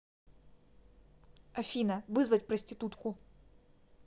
афина вызвать проститутку